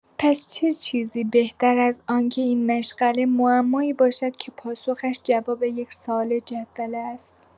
پس چه چیزی بهتر از آنکه این مشغله، معمایی باشد که پاسخش جواب یک سوال جدول است؟